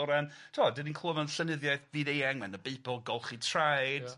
o ran t'mod 'dan ni'n clwed mewn llenyddiaeth fyd-eang, ma' yn y Beibl golchi traed. Ia.